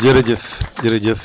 jërëjëf jërëjëf